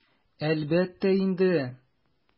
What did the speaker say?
Әлбәттә инде!